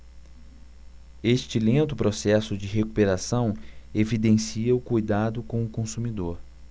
este lento processo de recuperação evidencia o cuidado com o consumidor